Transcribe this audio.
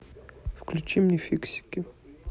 включи мне фиксики